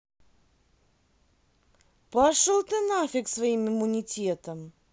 пошел ты нафиг своим иммунитетом